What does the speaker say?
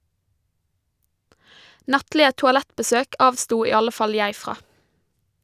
Nattlige toalettbesøk avsto i alle fall jeg fra.